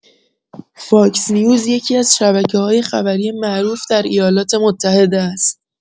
فاکس‌نیوز یکی‌از شبکه‌های خبری معروف در ایالات‌متحده است.